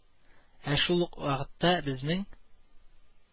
Ә шул ук вакытта безнең